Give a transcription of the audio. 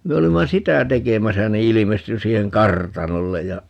me olimme sitä tekemässä niin ilmestyi siihen kartanolle ja